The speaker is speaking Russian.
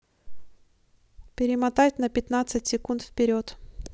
перемотать на пятнадцать секунд вперед